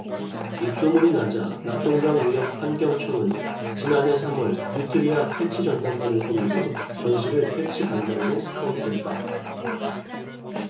입소문이 나자 낙동강유역환경청은 지난해 삼 월 뉴트리아 퇴치전담반을 꾸리고 전씨를 퇴치반장으로 스카우트했다